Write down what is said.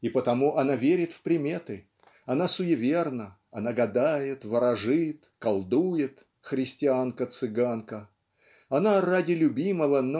И потому она верит в приметы она суеверна она гадает ворожит колдует христианка-цыганка она ради любимого